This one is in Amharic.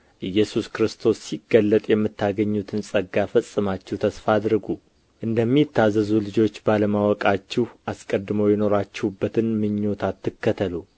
ኢየሱስ ክርስቶስ ሲገለጥ የምታገኙትን ጸጋ ፈጽማችሁ ተስፋ አድርጉ እንደሚታዘዙ ልጆች ባለማወቃችሁ አስቀድሞ የኖራችሁበትን ምኞት አትከተሉ